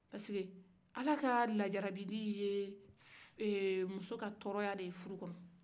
parce que ala ka lajarabili ye eee muso ka tɔɔrɔya de ye furu kɔnɔ